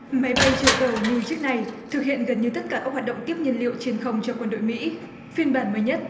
máy bay chở dầu như chiếc này thực hiện gần như tất cả các hoạt động tiếp nhiên liệu trên không cho quân đội mỹ phiên bản mới nhất